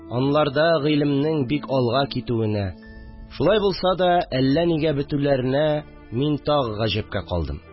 Анларда гыйлемнең бик алга китүенә, шулай булса да, әллә нигә бетүләренә мин тагы гаҗәпкә калдым